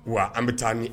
Wa an bɛ taa min?